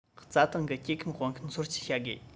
རྩྭ ཐང གི སྐྱེ ཁམས སྤང ཤུན སོར ཆུད བྱ དགོས